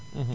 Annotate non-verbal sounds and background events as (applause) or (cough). (hesitation) (hesitation)